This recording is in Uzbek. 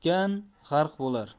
tutgan g'arq bo'lar